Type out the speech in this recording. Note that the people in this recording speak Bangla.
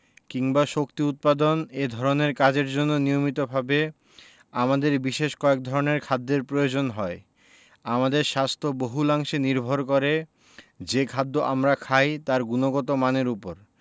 কিংবা শক্তি উৎপাদন এ ধরনের কাজের জন্য নিয়মিতভাবে আমাদের বিশেষ কয়েক ধরনের খাদ্যের প্রয়োজন হয় আমাদের স্বাস্থ্য বহুলাংশে নির্ভর করে যে খাদ্য আমরা খাই তার গুণগত মানের ওপর